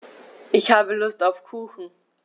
Ich habe Lust auf Kuchen.